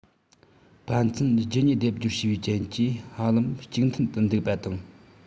ཕན ཚུན རྒྱུད གཉིས སྡེབ སྦྱོར བྱས པའི རྐྱེན གྱིས ཧ ལམ གཅིག མཐུན དུ འདུག པ དང